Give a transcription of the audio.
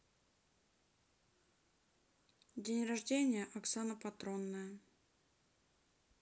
день рождения оксана патронная